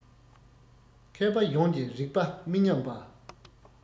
མཁས པ ཡོངས ཀྱི རིག པ མི ཉམས པ